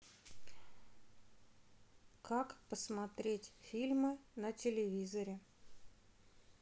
как посмотреть фильмы на телевизоре